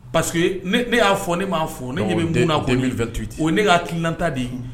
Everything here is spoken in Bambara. Paseke ne y'a fɔ ne m'a fɔ ne min n'a fɔ to o ne ka kilanta de ye